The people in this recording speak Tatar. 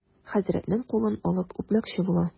Хәзрәтнең кулын алып үпмәкче була.